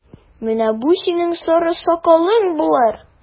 Менә бу синең сары сакалың булыр!